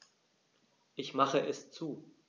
Ich mache es zu.